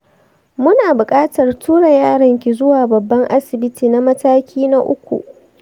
muna buƙatar tura yaron ki zuwa babban asibiti na mataki na uku